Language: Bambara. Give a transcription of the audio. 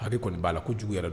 Ha kɔni b'a la ko jugu yɛrɛ